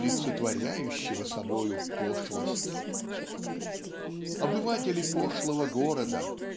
олицетворяющего собою пошлость. Обыватели пошлого города